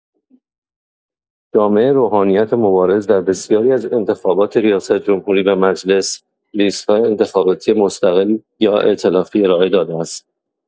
جامعه روحانیت مبارز در بسیاری از انتخابات ریاست‌جمهوری و مجلس، لیست‌های انتخاباتی مستقل یا ائتلافی ارائه داده است.